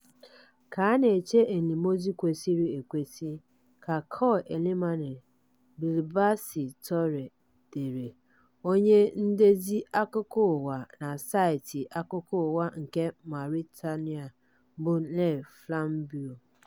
ka na-eche elimozu kwesịrị ekwesị," ka Kaaw Elimane Bilbassi Touré dere, onye ndezi akụkọ ụwa na saịtị akụkọ ụwa nke Mauritania bụ Le Flambeau.